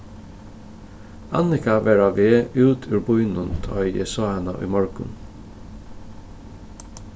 annika var á veg út úr býnum tá ið eg sá hana í morgun